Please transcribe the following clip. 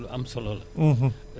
fan lay jëm